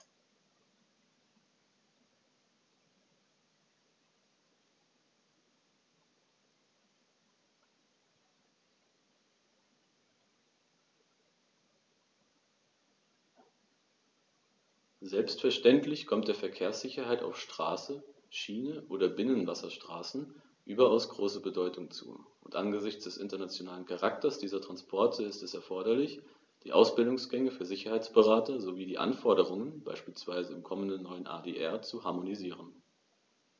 Selbstverständlich kommt der Verkehrssicherheit auf Straße, Schiene oder Binnenwasserstraßen überaus große Bedeutung zu, und angesichts des internationalen Charakters dieser Transporte ist es erforderlich, die Ausbildungsgänge für Sicherheitsberater sowie die Anforderungen beispielsweise im kommenden neuen ADR zu harmonisieren.